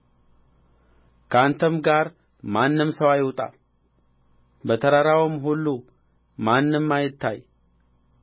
ከአንተም ጋር ማንም ሰው አይውጣ በተራራውም ሁሉ ማንም አይታይ